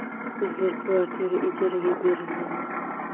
uzr kvartira ijaraga berilgan